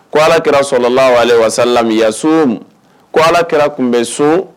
Ko Alakira ko Alakira tun bɛ sun